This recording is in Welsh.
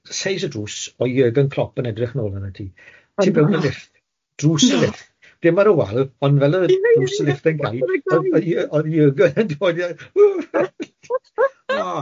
seis y drws o Jürgen Klopp yn edrych nôl arna ti, tu mewn o lyfft, drws y lyfft...Na!... dim ar y wal ond fel o'dd drws y lyfft yn cau, o'dd Jü- o'dd Jürgen yn dod i'r...